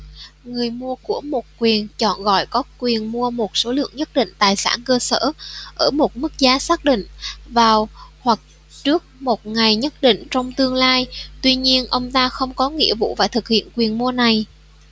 người mua của một quyền chọn gọi có quyền mua một số lượng nhất định tài sản cơ sở ở một mức giá xác định vào hoặc trước một ngày nhất định trong tương lai tuy nhiên ông ta không có nghĩa vụ phải thực hiện quyền mua này